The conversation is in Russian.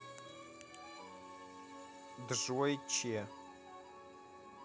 джой ч